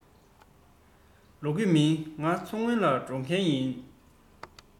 ལོག གི མིན ང མཚོ སྔོན ལ འགྲོ མཁན ཡིན